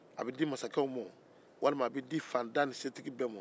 a bɛ di masakɛw walima a bɛ di fangatan ni setigi bɛɛ man